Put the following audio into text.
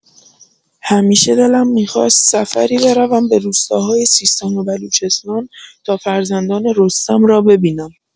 همیشه دلم می‌خواست سفری بروم به روستاهای سیستان و بلوچستان، تا فرزندان رستم را ببینم.